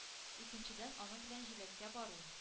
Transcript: Икенчедән, аның белән җиләккә бару